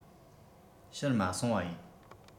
ཕྱིར མ སོང བ ཡིན